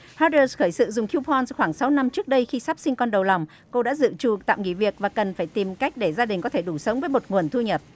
hót đơn khởi sự dùng cúp pon khoảng sáu năm trước đây khi sắp sinh con đầu lòng cô đã dự trù tạm nghỉ việc và cần phải tìm cách để gia đình có thể đủ sống với một nguồn thu nhập